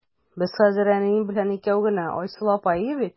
Без хәзер әнием белән икәү генә бит, Айсылу апа, әйе бит?